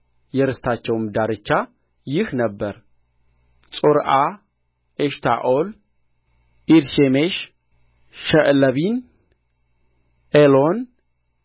የርስታቸውም ዳርቻ ይህ ነበረ ጾርዓ ኤሽታኦል ዒርሼሜሽ ሸዕለቢን ኤሎን